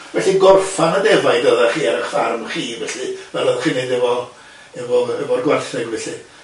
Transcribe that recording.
Felly gorffan y defaid oddachi ar eich ffarm chi felly fel oddech chi'n wneud efo efo efo'r gwartheg felly?